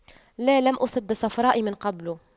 لا لم أصب بالصفراء من قبل